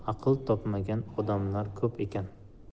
topmagan odamlar ko'p ekan